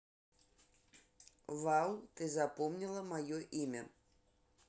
вау ты запомнила мое имя